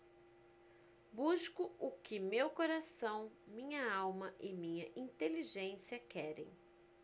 busco o que meu coração minha alma e minha inteligência querem